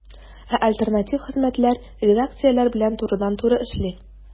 Ә альтернатив хезмәтләр редакцияләр белән турыдан-туры эшли.